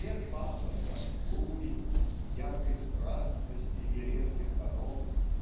нет пафоса, бури, яркой страстности и резких тонов